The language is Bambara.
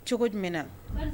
Cogo jumɛn na